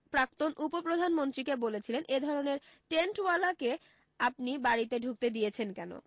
প্রাক্তন উপ প্রধানমন্ত্রীকে বলেছিলেন এ ধরণের টেন্টওয়ালা কে আপনি বাড়ীতে ঢুকতে দিয়েছেন কেন